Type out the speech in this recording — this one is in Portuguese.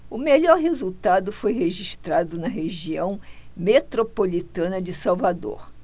o melhor resultado foi registrado na região metropolitana de salvador